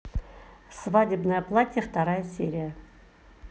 свадебное платье вторая серия